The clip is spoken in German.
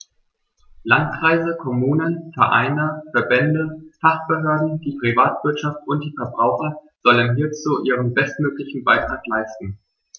Landkreise, Kommunen, Vereine, Verbände, Fachbehörden, die Privatwirtschaft und die Verbraucher sollen hierzu ihren bestmöglichen Beitrag leisten.